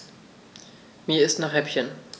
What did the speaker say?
Mir ist nach Häppchen.